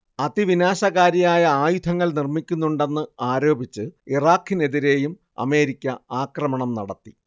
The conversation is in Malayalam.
അതിവിനാശകാരിയായ ആയുധങ്ങൾ നിർമ്മിക്കുന്നുണ്ടെന്ന് ആരോപിച്ച് ഇറാഖിനെതിരെയും അമേരിക്ക ആക്രമണം നടത്തി